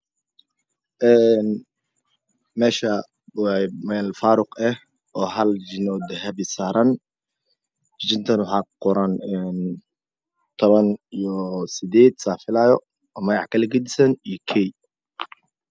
Een meeshan waa meel faaruq ah oo hal jijinoo dahab ah saaran jijintana waxaa kuqoran 18 saan filasyo waa magac kala gadisan iyo key